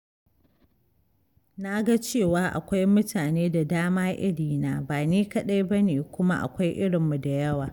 Na ga cewa akwai mutane da dama irina, ba ni kaɗai ba ne kuma akwai irinmu da yawa!